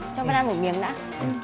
cho vân ăn một miếng đã